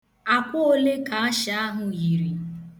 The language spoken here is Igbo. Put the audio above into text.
Àkwa ole ka asha ahụ yiri?